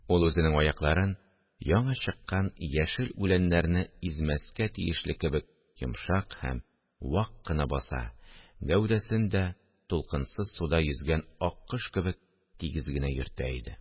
Ул үзенең аякларын яңа чыккан яшел үләннәрне измәскә тиешле кебек йомшак һәм вак кына баса, гәүдәсен дә дулкынсыз суда йөзгән аккош кебек тигез генә йөртә иде